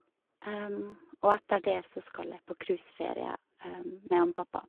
Og etter det så skal jeg på cruiseferie med han pappa.